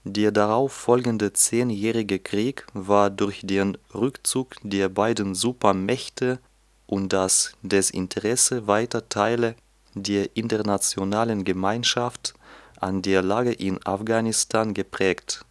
Der darauf folgende zehnjährige Krieg war durch den Rückzug der beiden Supermächte und das Desinteresse weiter Teile der internationalen Gemeinschaft an der Lage in Afghanistan geprägt